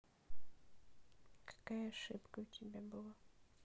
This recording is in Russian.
какая ошибка у тебя была